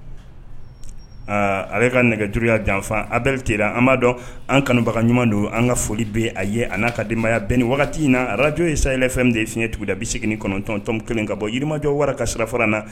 Ale ka nɛgɛjya janfa bererite an b'a dɔn an kanbaga ɲuman don an ka foli bɛ a ye a n a ka denbayaya bɛɛ ni wagati in na arajo ye sayɛlɛfɛn de fiɲɛɲɛ tuguda segin kɔnɔntɔntɔn kelen ka bɔ yirimajɔ wara ka sira fara na